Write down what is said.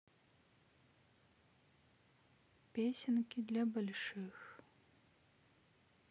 песенки для больших